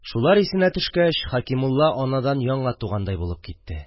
Шулар исенә төшкәч, Хәкимулла анадан яңа тугандай булып китте